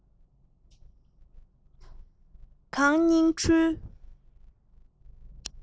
བོད ཁང སྙིང ཧྲུལ